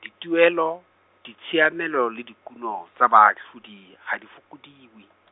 dituelo, ditshiamelo le dikuno tsa baatlhodi, ga di fokodiwe .